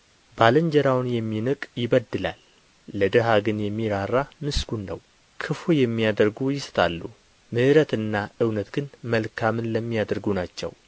ባልንጀራውን የሚንቅ ይበድላል ለድሀ ግን የሚራራ ምስጉ ነው ክፉ የሚያደርጉ ይስታሉ ምሕረትና እውነት ግን መልካምን ለሚያደርጉ ናቸው